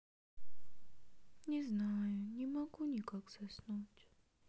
не знаю не могу никак заснуть